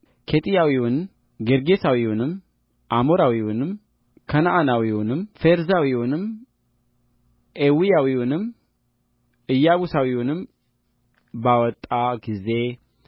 ኬጢያዊውን ጌርጌሳዊውንም አሞራዊውንም ከነዓናዊውንም ፌርዛዊውንም ኤዊያዊውንም ኢያቡሳዊውንም ባወጣ ጊዜ